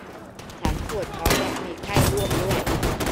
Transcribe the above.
ฉันปวดท้องและมีไข้ร่วมด้วย